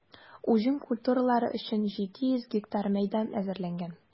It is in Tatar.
Уҗым культуралары өчен 700 га мәйдан әзерләнгән.